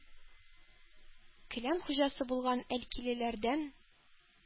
Келәм хуҗасы булган әлкилеләрдән